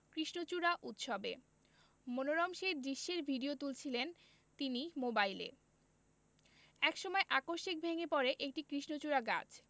কৃষ্ণচূড়া উৎসবে মনোরম সেই দৃশ্যের ভিডিও তুলছিলেন তিনি মোবাইলে এ সময় আকস্মিক ভেঙ্গে পড়ে একটি কৃষ্ণচূড়া গাছ